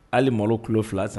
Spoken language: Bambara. Hali malo kulo 2 san